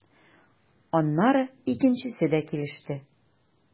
Аннары икенчесе дә килеште.